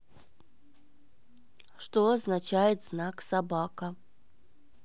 что означает знак собака